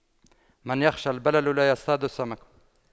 من يخشى البلل لا يصطاد السمك